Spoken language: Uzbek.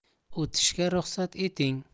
o'tishga ruxsat eting